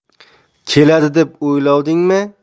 keladi deb o'ylovdingmi